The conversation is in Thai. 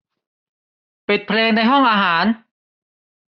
ปิดเพลงในห้องอาหาร